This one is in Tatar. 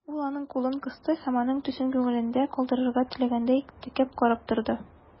Ул аның кулын кысты һәм, аның төсен күңелендә калдырырга теләгәндәй, текәп карап торды.